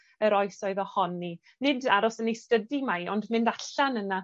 yr oes oedd ohoni. Nid aros yn 'i stydi mae, ond mynd allan yna